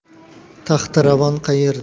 taxtiravon qayerda